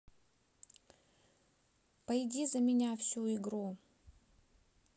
пойди за меня всю игру